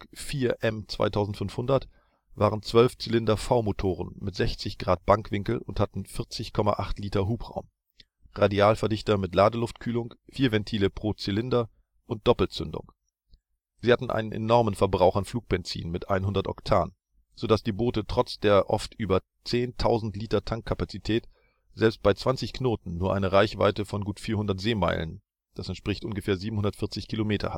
4M-2500-Motoren von Packard waren Zwölfzylinder-V-Motoren mit 60° Bankwinkel und hatten 40,8 Litern Hubraum, Radialverdichter mit Ladeluftkühlung, vier Ventile pro Zylinder und Doppelzündung. Die Motoren hatten einen enormen Verbrauch an Flugbenzin mit 100 Oktan, so dass die Boote trotz der oft über 10.000 Litern Tankkapazität selbst bei 20 kn nur eine Reichweite von gut 400 sm (≈740 km) hatten